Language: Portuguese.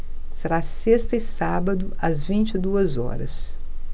será sexta e sábado às vinte e duas horas